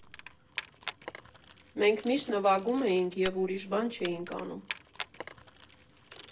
Մենք միշտ նվագում էինք և ուրիշ բան չէինք անում։